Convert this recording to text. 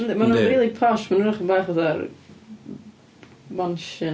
Yndi, maen nhw'n rili posh. Maen nhw'n edrych chydig bach fatha mansion.